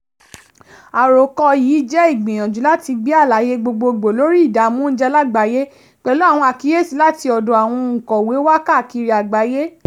Àròkọ yìí jẹ́ ìgbìyànjú láti gbé àlàyé gbogbogbò lórí ìdààmú oúnjẹ lágbàáyé pẹ̀lú àwọn àkíyèsí láti ọ̀dọ̀ àwọn òǹkọ̀wé wa káàkiri àgbáyé.